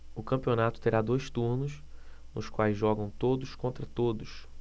o campeonato terá dois turnos nos quais jogam todos contra todos